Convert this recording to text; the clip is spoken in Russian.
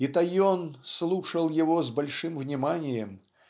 и Тойон слушал его с большим вниманием